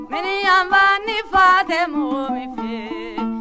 miniyanba ni fa tɛ mɔgɔ min fɛ